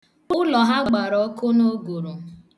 Ụlọ ha gbara ọkụ n'ụgụrụ.